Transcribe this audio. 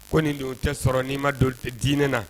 Ko nin don tɛ sɔrɔ n'i ma dɔnkilite diinɛ na